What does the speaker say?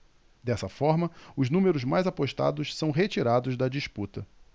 dessa forma os números mais apostados são retirados da disputa